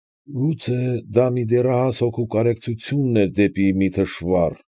Գուցե՞ դա մի դեռահաս հոգու կարեկցությունն էր դեպի մի թշվառ։